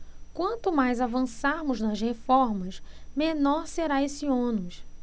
quanto mais avançarmos nas reformas menor será esse ônus